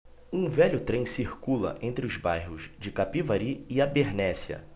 um velho trem circula entre os bairros de capivari e abernéssia